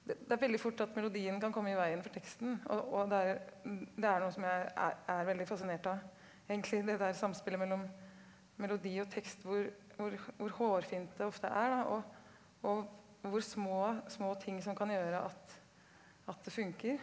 d det er veldig fort at melodien kan komme i veien for teksten og og det er det er noe som jeg er veldig fascinert av egentlig det der samspillet mellom melodi og tekst hvor hvor hvor hårfint det ofte er da og og hvor små små ting som kan gjøre at at det funker.